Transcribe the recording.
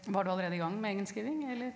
var du allerede i gang med egen skriving eller?